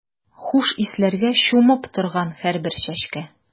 Хуш исләргә чумып торган һәрбер чәчкә.